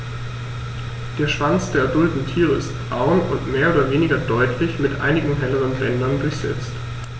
Der Schwanz der adulten Tiere ist braun und mehr oder weniger deutlich mit einigen helleren Bändern durchsetzt.